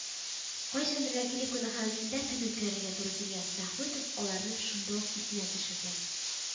Кайчандыр вәкиллек кунакханәсендә төн үткәрергә туры килгән Мәхмүтов аларны шунда ук исенә төшерде